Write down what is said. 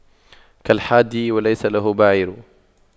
كالحادي وليس له بعير